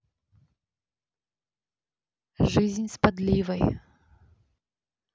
жизнь с подливой